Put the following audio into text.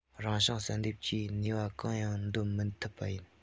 རང བྱུང བསལ འདེམས ཀྱིས ནུས པ གང ཡང འདོན མི ཐུབ པ ཡིན